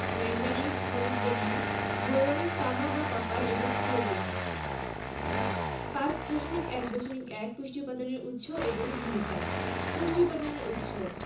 manganese molybdenum boron তামা বা copper এবং ক্লোরিন ৫.১.১ পুষ্টি উপাদানের উৎস এবং ভূমিকা পুষ্টি উপাদানের উৎস